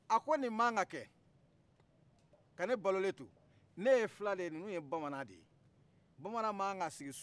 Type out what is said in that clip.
ne ye fula de ye ninnu ye bamanan de ye bamanan mankan k'a sigi suma na